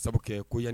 Sabu ko yan